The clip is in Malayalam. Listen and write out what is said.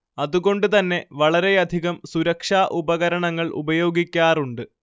അതുകൊണ്ട് തന്നെ വളരെയധികം സുരക്ഷ ഉപകരണങ്ങൾ ഉപയോഗിക്കാറുണ്ട്